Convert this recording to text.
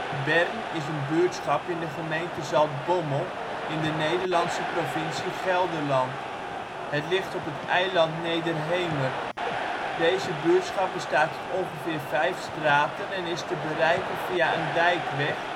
Bern is een buurtschap in de gemeente Zaltbommel, in de Nederlandse provincie Gelderland. Het ligt op het " eiland " Nederhemert. Deze buurtschap bestaat uit ongeveer 5 straten en is te bereiken via een dijkweg (N831